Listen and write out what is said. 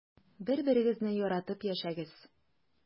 Бер-берегезне яратып яшәгез.